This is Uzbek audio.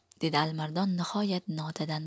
dedi alimardon nihoyat notadan